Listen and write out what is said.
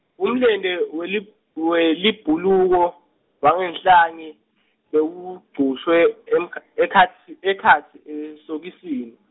Umlente, welib- welibhuluko, wangenhlanye, bewugcushwe, emkha-, ekhatsi, ekhatsi esokisini.